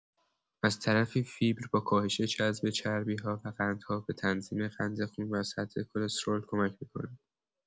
از طرفی فیبر با کاهش جذب چربی‌ها و قندها، به تنظیم قند خون و سطح کلسترول کمک می‌کند.